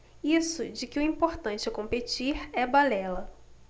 isso de que o importante é competir é balela